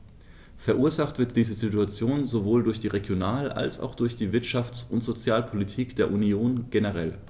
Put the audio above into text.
Verursacht wird diese Situation sowohl durch die Regional- als auch durch die Wirtschafts- und Sozialpolitik der Union generell.